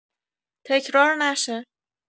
تکرار نشه